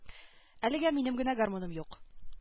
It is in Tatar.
Әлегә минем генә гармуным юк